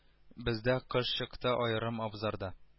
Бездә кыш чыкты аерым абзарда